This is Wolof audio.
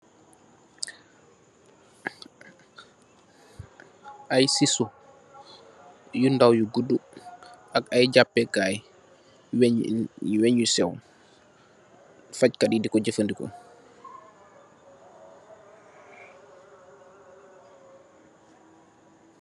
Ay sisso yu ndaw yu gódu ak ay japeh kai wéñ yu sèw fajj katti yi di ko jafandiko.